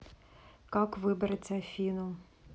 как выбрать афину